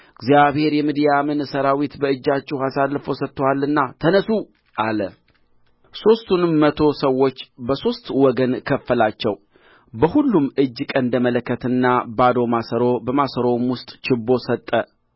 ሦስቱንም መቶ ሰዎች በሦስት ወገን ከፈላቸው በሁሉም እጅ ቀንደ መለከትና ባዶ ማሰሮ በማሰሮውም ውስጥ ችቦ ሰጠ